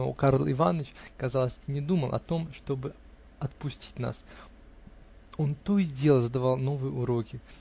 но Карл Иваныч, казалось, и не думал о том, чтобы отпустить нас: он то и дело задавал новые уроки.